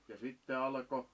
ja sitten alkoi